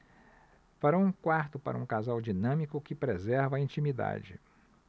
farão um quarto para um casal dinâmico que preserva a intimidade